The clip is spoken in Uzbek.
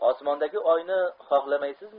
osmondagi oyni xohlamaysizmi